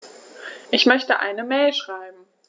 Ich möchte eine Mail schreiben.